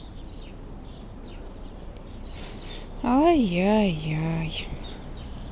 ай яй яй